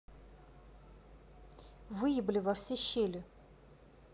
выебли во все щели